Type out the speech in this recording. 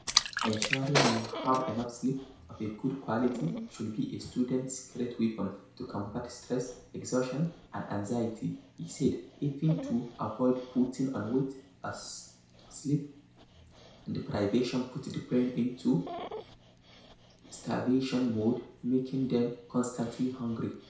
Ensuring you have enough sleep, of a good quality, should be a student's 'secret weapon' to combat stress, exhaustion and anxiety, he said - even to avoid putting on weight, as sleep deprivation puts the brain into starvation mode, making them constantly hungry.